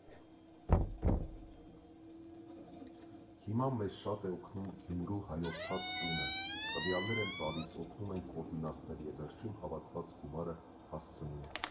Հիմա մեզ շատ է օգնում Գյումրու հայորդաց տունը՝ տվյալներ են տալիս, օգնում են կոորդինացնել և վերջում հավաքված գումարը հասցնում։